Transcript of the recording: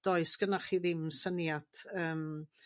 does gynnoch chi ddim syniad yym